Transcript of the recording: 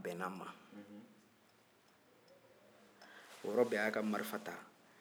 o yɔrɔ bɛɛ a y'a ka marifa ta jeli ka marifa de y'i ka ngɔni ye